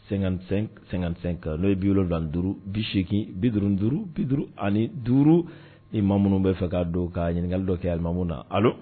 55 55 n'o ye 75 80 55 55 ni maa munnu bɛ fɛ ka don kaa ɲiniŋakali dɔ kɛ alimamuw na allo